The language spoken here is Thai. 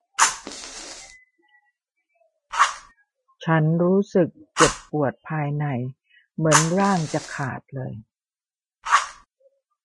ฉันรู้สึกเจ็บปวดภายในเหมือนร่างจะขาดเลย